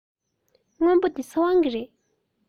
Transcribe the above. སྔོན པོ འདི ཚེ དབང གི རེད